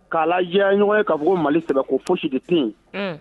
K'a jiraɲɔgɔn ye ka bɔ mali sɛ ko foyi si tɛ tɛ